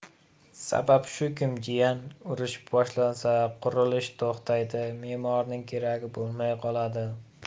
sabab shukim jiyan urush boshlansa qurilish to'xtaydi memorning keragi bo'lmay qoladir